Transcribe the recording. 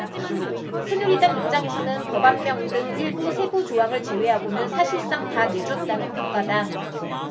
새누리당 입장에서는 법안명 등 일부 세부조항을 제외하고는 사실상 다 내줬다는 평가다